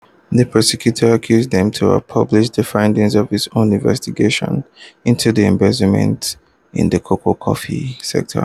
The prosecutor accused them to have published the findings of his own investigation into the embezzlement in the cocoa-coffee sector.